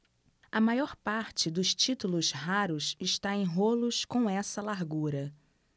a maior parte dos títulos raros está em rolos com essa largura